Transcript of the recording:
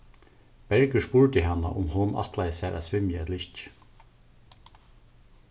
bergur spurdi hana um hon ætlaði sær at svimja ella ikki